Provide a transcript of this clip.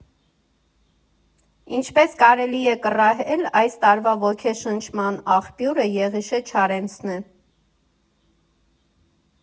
Ինչպես կարելի է կռահել, այս տարվա ոգեշնչման աղբյուրը Եղիշե Չարենցն է։